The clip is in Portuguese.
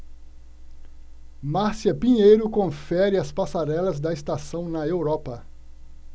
márcia pinheiro confere as passarelas da estação na europa